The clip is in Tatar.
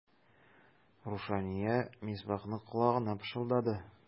Рушания Мисбахның колагына пышылдады.